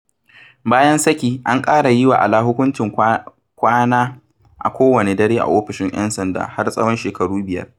Bayan saki, an ƙara yi wa Alaa hukuncin kwana a kowane dare a ofishin 'yan sanda har tsawon "shekaru biyar".